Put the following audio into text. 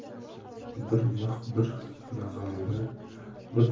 bir mix bir nag'alni